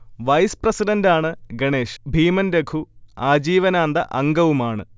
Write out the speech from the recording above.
vice പ്രസിഡന്റാണ് ഗണേശ്, ഭീമൻരഘു ആജീവനാന്ത അംഗവുമാണ്